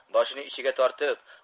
boshini ichiga tortib